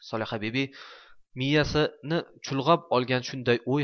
solihabibi miyasini chulg'ab olgan shunday o'y